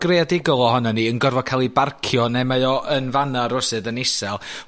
greadigol ohonon ni yn gorfod ca'l 'i barcio, neu mae o yn fana rwsud yn isel.